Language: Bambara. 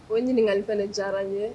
O ɲininkali fana ni diyara n ye